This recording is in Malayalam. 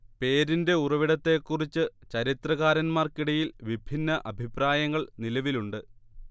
പേരിന്റെ ഉറവിടത്തെക്കുറിച്ച് ചരിത്രകാരന്മാർക്കിടയിൽ വിഭിന്ന അഭിപ്രായങ്ങൾ നിലവിലുണ്ട്